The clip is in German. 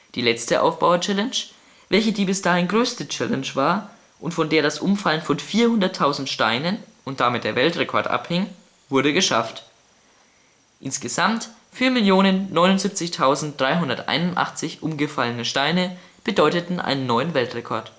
Die letzte Aufbauer-Challenge, welche die bis dahin größte Challenge war und von der das Umfallen von 400.000 Steinen und damit der Weltrekord abhing, wurde geschafft. Insgesamt 4.079.381 umgefallene Steine bedeuteten einen neuen Weltrekord